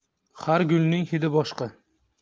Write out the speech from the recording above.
har gulning hidi boshqa